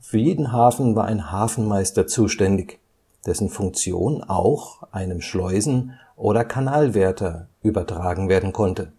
jeden Hafen war ein Hafenmeister zuständig, dessen Funktion auch einem Schleusen - oder Kanalwärter übertragen werden konnte